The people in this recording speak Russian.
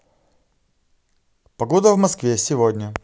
погода в москве сегодня